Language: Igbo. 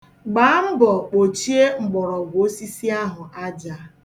Gbaa mbọ kpochie mgbọrọgwụ osisi ahụ aja.